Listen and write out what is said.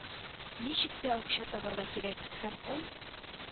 Ничек тә акча табарга кирәк, һәм ул